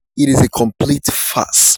It is a complete farce.